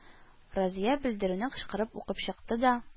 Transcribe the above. Разия белдерүне кычкырып укып чыкты да: